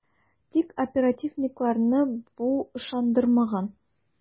Тик оперативникларны бу ышандырмаган ..